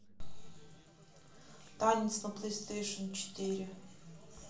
танец на плейстейшн четыре